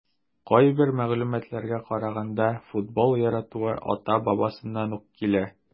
Кайбер мәгълүматларга караганда, футбол яратуы ата-бабасыннан ук килә.